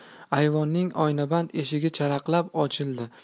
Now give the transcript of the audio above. ayvonning oynaband eshigi sharaqlab ochildida